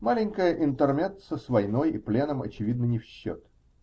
маленькое интермеццо с войной и пленом, очевидно, не в счет.